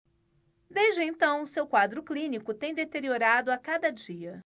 desde então seu quadro clínico tem deteriorado a cada dia